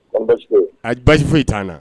A basi foyi t'a na